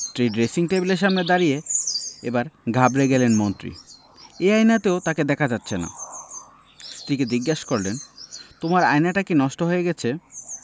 স্ত্রীর ড্রেসিং টেবিলের সামনে দাঁড়িয়ে এবার ঘাবড়ে গেলেন মন্ত্রী এই আয়নাতেও তাঁকে দেখা যাচ্ছে না স্ত্রীকে জিজ্ঞেস করলেন তোমার আয়নাটা কি নষ্ট হয়ে গেছে